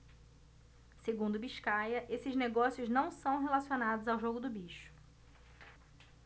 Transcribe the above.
segundo biscaia esses negócios não são relacionados ao jogo do bicho